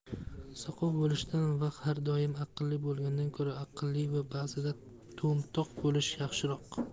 soqov bo'lishdan va har doim aqlli bo'lgandan ko'ra aqlli va ba'zida to'mtoq bo'lish yaxshiroq